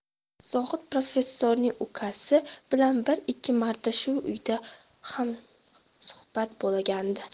zohid professorning ukasi bilan bir ikki marta shu uyda hamsuhbat bo'lgandi